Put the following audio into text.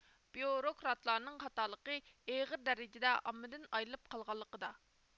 بيۇروكراتلارنىڭ خاتالىقى ئېغىر دەرىجىدە ئاممىدىن ئايرىلىپ قالغانلىقتا